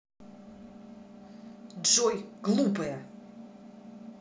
джой глупая